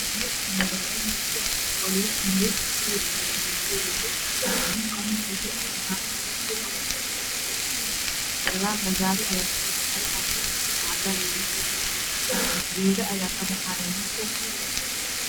Meeshaani waa laami cusub oo lugu fidiyay kalarkiisuna waa madow nin qamiis wato iyo cimaamad gaduudan ayaa soo socdo gadaalna gaari ayaa kasoo socda oo kalarkiisu cadaan yahay geedo ayaa kabaxaayo meesha.